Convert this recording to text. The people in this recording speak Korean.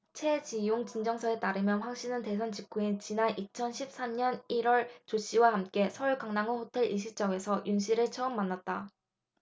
최지용진정서에 따르면 황씨는 대선 직후인 지난 이천 십 삼 년 일 월 조씨와 함께 서울 강남구 호텔 일식집에서 윤씨를 처음 만났다